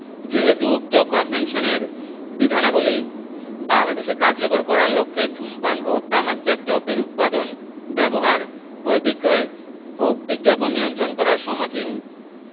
যেহেতু উক্ত কনভেনশনের বিধানাবলী বাংলাদেশে কার্যকর করার লক্ষ্যে ধূমপান ও তামাকজাত দ্রব্যের উৎপাদন ব্যবহার ক্রয় বিক্রয় ও বিজ্ঞাপন নিয়ন্ত্রণ করা সমচীন